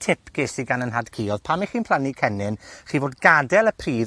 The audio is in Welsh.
tip ges i gan 'yn nhad-cu odd pan 'ych chi'n plannu cennin, chi fod gadel y pridd